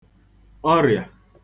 ọrị̀à